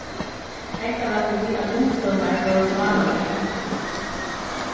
hetta var tí at umstøðurnar vóru so vánaligar